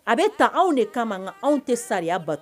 A bɛ ta anw de kama nka anw tɛ saya bato